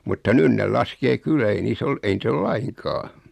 mutta nyt ne laskee kyllä ei niissä ole ei niitä ole lainkaan